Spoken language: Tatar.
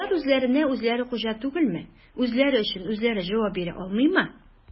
Алар үзләренә-үзләре хуҗа түгелме, үзләре өчен үзләре җавап бирә алмыймы?